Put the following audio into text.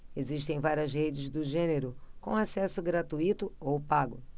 existem várias redes do gênero com acesso gratuito ou pago